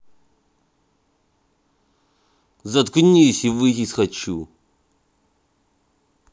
заткнись и выйти из хочу